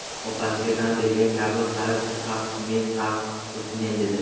u opasiga tan bergan kabi qarab siz haqsiz men sahv qilibmen dedi